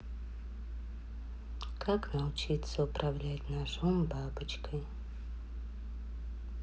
как научиться управлять ножом бабочкой